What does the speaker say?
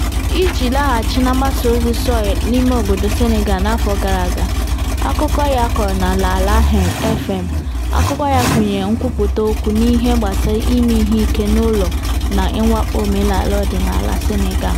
Iji laghachi na mgbasaozi Sow n'imeobodo Senegal n'afọ gara aga: akụkọ ya kọrọ na La Laghem FM, akụkọ ya gụnyere nkwupụta okwu n'ihe gbasara ime ihe ike n'ụlọ na mwakpo omenala ọdịnala Senegal.